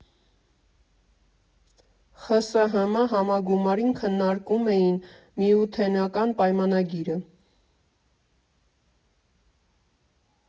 ԽՍՀՄ համագումարին քննարկում էին Միութենական պայմանագիրը։